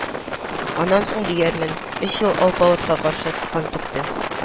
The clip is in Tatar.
Аннан соң, диярмен, өч ел алпавытка каршы кан түктем